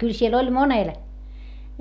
kyllä siellä oli monella